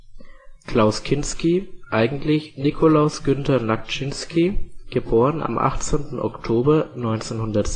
Klaus Kinski (eigentlich: Nikolaus Günther Nakszynski) (* 18. Oktober 1926